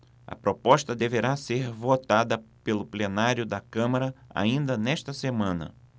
a proposta deverá ser votada pelo plenário da câmara ainda nesta semana